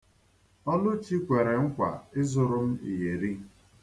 Ọluchi kwere nkwa ịzụrụ m iyeri